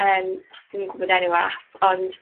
Yym. Dwi'm yn gwbod enw ap, ond,